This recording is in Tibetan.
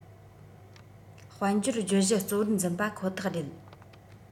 དཔལ འབྱོར བརྗོད གཞི གཙོ བོར འཛིན པ ཁོ ཐག རེད